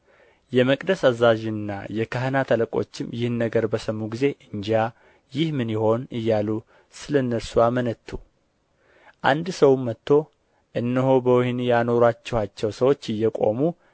የመቅደስ አዛዥና የካህናት አለቆችም ይህን ነገር በሰሙ ጊዜ እንጃ ይህ ምን ይሆን እያሉ ስለ እነርሱ አመነቱ አንድ ሰውም መጥቶ እነሆ በወኅኒ ያኖራችኋቸው ሰዎች እየቆሙ